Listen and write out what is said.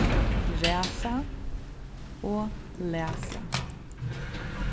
ræsa og læsa